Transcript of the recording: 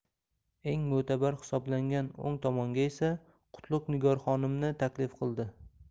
eng mo'tabar hisoblangan o'ng tomonga esa qutlug' nigor xonimni taklif qildi